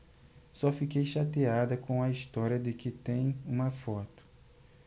só fiquei chateada com a história de que tem uma foto